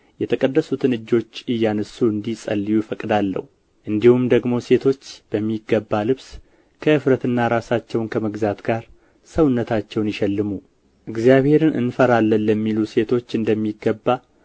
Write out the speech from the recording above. የተቀደሱትን እጆች እያነሱ እንዲጸልዩ እፈቅዳለሁ እንዲሁም ደግሞ ሴቶች በሚገባ ልብስ ከእፍረትና ራሳቸውን ከመግዛት ጋር ሰውነታቸውን ይሸልሙ እግዚአብሔርን እንፈራለን ለሚሉት ሴቶች እንደሚገባ